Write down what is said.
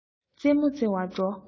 རྩེད མོ རྩེ བར འགྲོ